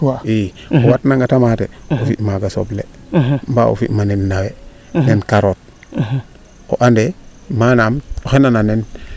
i o wat nanga tomate o fi maaga soble mbaa o fi mana nawe nen carote o ande manaam oxey nana nen